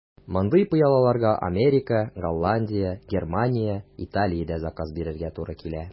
Мондый пыялаларга Америка, Голландия, Германия, Италиядә заказ бирергә туры килә.